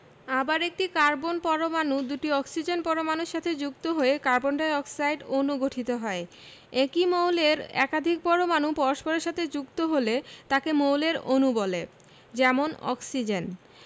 আবার একটি কার্বন পরমাণু দুটি অক্সিজেন পরমাণুর সাথে যুক্ত হয়ে একটি কার্বন ডাই অক্সাইড অণু গঠিত হয় একই মৌলের একাধিক পরমাণু পরস্পরের সাথে যুক্ত হলে তাকে মৌলের অণু বলে যেমন অক্সিজেন